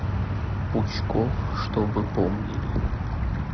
пучков чтобы помнили